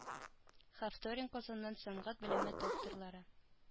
Хавторин казаннан сәнгать белеме докторлары